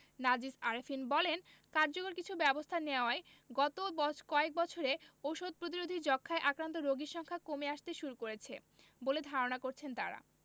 নাজিস আরেফিন বলেন কার্যকর কিছু ব্যবস্থা নেয়ায় গত কয়েক বছরে ওষুধ প্রতিরোধী যক্ষ্মায় আক্রান্ত রোগীর সংখ্যা কমে আসতে শুরু করেছে বলে ধারণা করছেন তারা